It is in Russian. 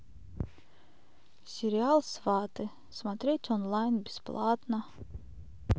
сериал сваты смотреть онлайн бесплатно